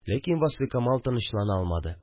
Ләкин Васфикамал тынычлана алмады